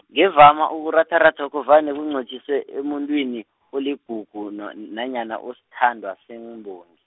ngevama ukuratharathokho vane kunqotjhiswe emuntwini oligugu no- n- nanyana osithandwa sembongi.